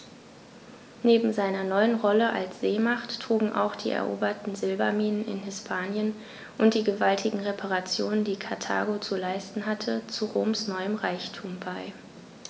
Neben seiner neuen Rolle als Seemacht trugen auch die eroberten Silberminen in Hispanien und die gewaltigen Reparationen, die Karthago zu leisten hatte, zu Roms neuem Reichtum bei.